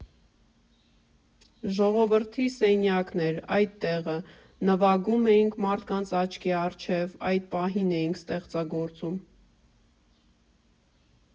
Ժողովրդի սենյակն էր այդ տեղը, նվագում էինք մարդկանց աչքի առջև՝ այդ պահին էինք ստեղծագործում։